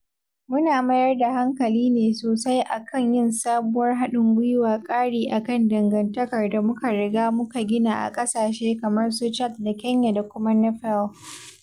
Muna mayar da hankali ne sosai a kan yin sabuwar haɗin gwiwa ƙari a kan dangantakar da muka riga muka gina a ƙasashe kamar su Chad da Kenya da kuma Nepel.